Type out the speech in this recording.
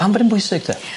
Pam bod e'n bwysig te?